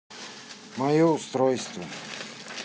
мое устройство